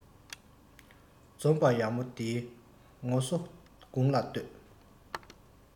འཛོམས པ ཡག མོ འདིའི ངོ སོ དགུང ལ བསྟོད